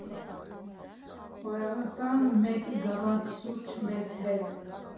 Օրական մեկ գավաթ սուրճ մեզ հետ։